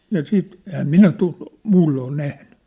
ja sitten enhän minä - muulloin ole nähnyt